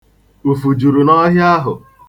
Ufu juru n'ọhịa ahụ.